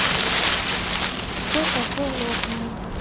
кто такой лотман